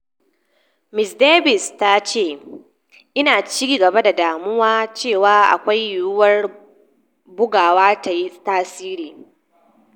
Ms Davis ta ce: "Ina ci gaba da damuwa cewa akwai yiwuwar bugawar ta yi tasiri."